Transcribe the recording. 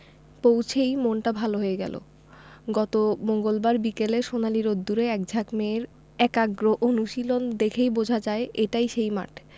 পৌঁছেই মনটা ভালো হয়ে গেল গত মঙ্গলবার বিকেলে সোনালি রোদ্দুরে একঝাঁক মেয়ের একাগ্র অনুশীলন দেখেই বোঝা যায় এটাই সেই মাঠ